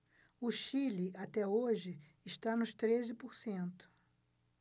o chile até hoje está nos treze por cento